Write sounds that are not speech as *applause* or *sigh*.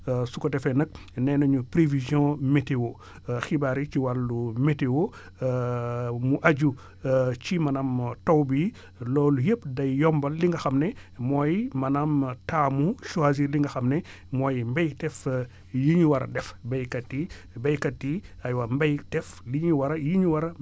*hesitation* su ko defee nag nee nañu prévisions météo *hesitation* xibaar yi ci wàllu météo *hesitation* mu aju *hesitation* ci maanaam taw bi *breath* loolu yépp day yombal li nga xam ne mooy maanaam taamu choisir li nga xam ne *breath* mooy mbaytéef li ñu war a def baykat yi baykat yi aywa mbaytéef bi ñu war a yi ñu war a